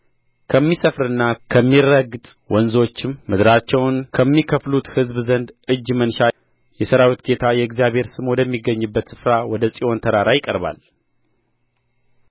ከሚሰፍርና ከሚረግጥ ወንዞችም ምድራቸውን ከሚከፍሉት ሕዝብ ዘንድ እጅ መንሻ የሠራዊት ጌታ የእግዚአብሔር ስም ወደሚገኝበት ስፍራ ወደ ጽዮን ተራራ ይቀርባል